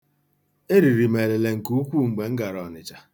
Eriri m elele nke ukwu mgbe m gara Ọnịcha.